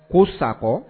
Ko sakɔ